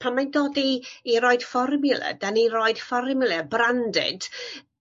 pan mae'n dod i i roid fformiwla 'dan ni roid fformiwla branded